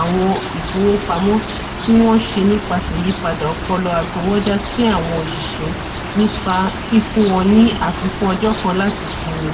àwọn ìfowópamọ́ tí wọ́n ṣe nípaṣẹ̀ ìyípadà ọpọlọ àtọwọ́dá sí àwọn òṣìṣẹ̵̵́ nípa fífún wọn ní àfikún ọjọ́ kan láti sinmi.